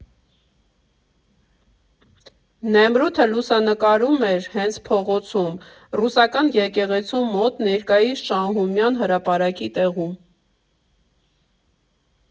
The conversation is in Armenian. Նեմրութը լուսանկարում էր հենց փողոցում՝ ռուսական եկեղեցու մոտ՝ ներկայիս Շահումյան հրապարակի տեղում։